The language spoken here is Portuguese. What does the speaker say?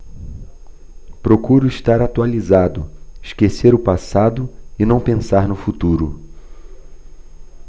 procuro estar atualizado esquecer o passado e não pensar no futuro